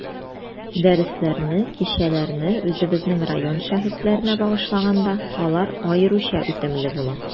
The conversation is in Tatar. Дәресләрне, кичәләрне үзебезнең район шәхесләренә багышлаганда, алар аеруча үтемле була.